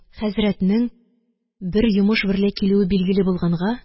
Хәзрәтнең бер йомыш берлә килүе билгеле булганга